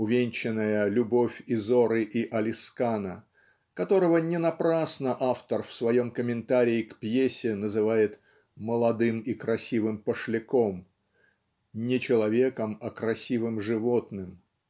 увенчанная любовь Изоры и Алискана (которого не напрасно автор в своем комментарии к пьесе называет "молодым и красивым пошляком" "не человеком а красивым животным").